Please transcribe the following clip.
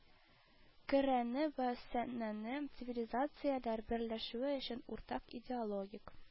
Коръәнне вә Сөннәне цивилизацияләр берләшүе өчен уртак идеологик